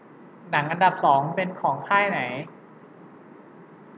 หนังอันดับสองเป็นของค่ายไหน